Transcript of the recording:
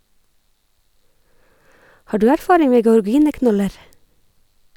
Har du erfaring med georgineknoller?